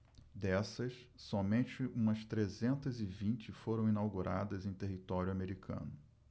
dessas somente umas trezentas e vinte foram inauguradas em território americano